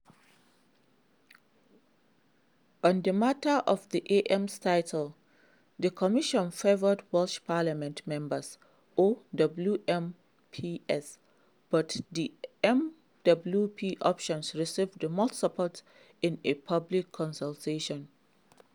On the matter of the AMs' title, the Commission favored Welsh Parliament Members or WMPs, but the MWP option received the most support in a public consultation.